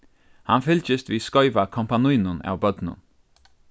hann fylgist við skeiva kompanínum av børnum